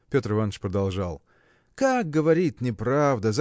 Петр Иваныч продолжал: – Как, говорит, неправда?